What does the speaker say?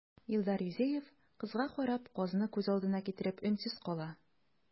Илдар Юзеев, кызга карап, казны күз алдына китереп, өнсез кала.